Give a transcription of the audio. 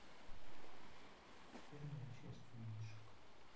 первая часть мишек